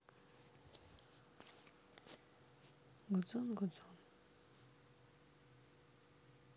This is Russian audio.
гудзон гудзон